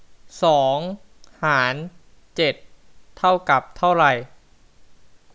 สองหารเจ็ดเท่ากับเท่าไร